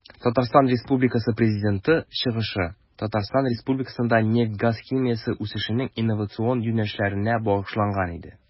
ТР Президенты чыгышы Татарстан Республикасында нефть-газ химиясе үсешенең инновацион юнәлешләренә багышланган иде.